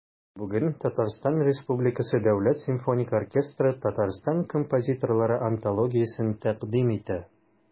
Бүген ТР Дәүләт симфоник оркестры Татарстан композиторлары антологиясен тәкъдим итә.